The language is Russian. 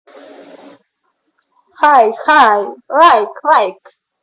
хай хай лайк лайк